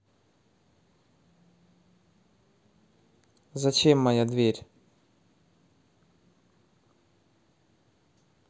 зачем моя дверь